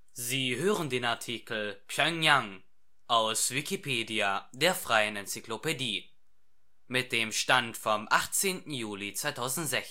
Sie hören den Artikel Pjöngjang, aus Wikipedia, der freien Enzyklopädie. Mit dem Stand vom Der